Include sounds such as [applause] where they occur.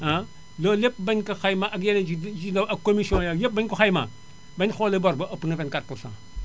[hesitation] loolu lépp bañu ko xaymaa ak yeneen yi ci ak commission yaag yëpp bañu ko xaymaa bañu xoolee bor ba ëpp na 24 pour cent